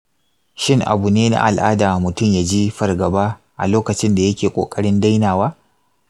shin abu ne na al'ada mutum ya ji fargaba a lokacin da yake ƙoƙarin dainawa?